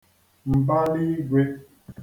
m̀balaīgwē